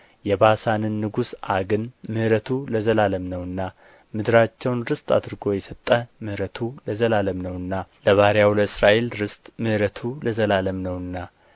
የባሳንን ንጉሥ ዐግን ምሕረቱ ለዘላለም ነውና ምድራቸውን ርስት አድርጎ የሰጠ ምሕረቱ ለዘላለም ነውና ለባሪያው ለእስራኤል ርስት ምሕረቱ ለዘላለም ነውና